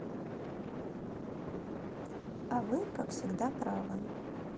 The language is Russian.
а вы как всегда правы